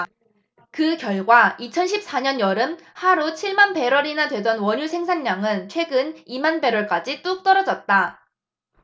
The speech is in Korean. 그 결과 이천 십 사 년 여름 하루 칠 만 배럴이나 되던 원유 생산량은 최근 이 만 배럴까지 뚝 떨어졌다